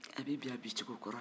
a bɛ bin a bincogo kɔrɔ la